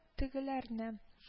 Тегеләрне